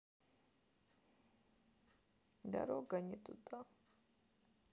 дорога не туда